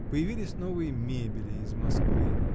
Появились новые мебели из Москвы